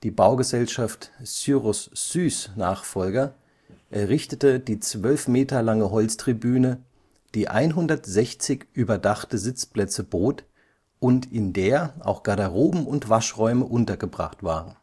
Baugesellschaft Syrus Süss Nachfolger errichtete die zwölf Meter lange Holztribüne, die 160 überdachte Sitzplätze bot und in der auch Garderoben und Waschräume untergebracht waren